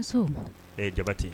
Jabati